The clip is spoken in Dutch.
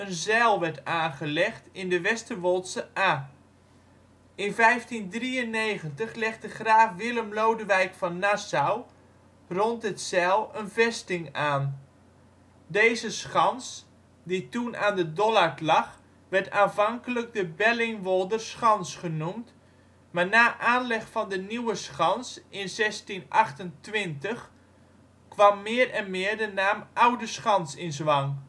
zijl werd aangelegd in de Westerwoldse Aa. In 1593 legde graaf Willem Lodewijk van Nassau rond het zijl een vesting aan. Deze schans die toen aan de Dollard lag, werd aanvankelijk de Bellingwolderschans genoemd, maar na aanleg van de Nieuweschans in 1628 kwam meer en meer de naam Oudeschans in zwang